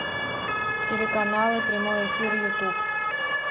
телеканалы прямой эфир ютуб